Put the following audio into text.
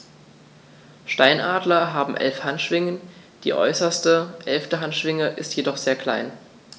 Steinadler haben 11 Handschwingen, die äußerste (11.) Handschwinge ist jedoch sehr klein.